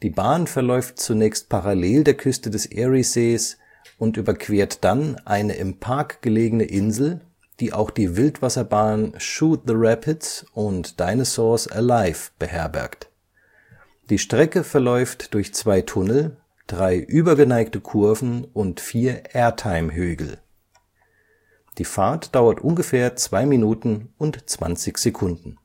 Bahn verläuft zunächst parallel der Küste des Eriesees und überquert dann eine im Park gelegene Insel, die auch die Wildwasserbahn Shoot the Rapids und Dinosaurs Alive! beherbergt. Die Strecke verläuft durch zwei Tunnel, drei übergeneigte Kurven und vier Airtime-Hügel. Die Fahrt dauert ungefähr 2 Minuten und 20 Sekunden